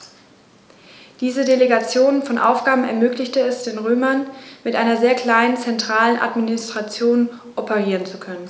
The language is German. Diese Delegation von Aufgaben ermöglichte es den Römern, mit einer sehr kleinen zentralen Administration operieren zu können.